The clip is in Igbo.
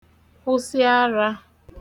kwụsị arā